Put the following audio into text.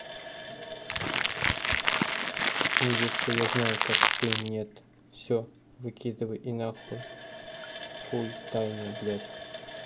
невеста я знаю как ты нет все выкидывается и нахуй хуй тайна блядь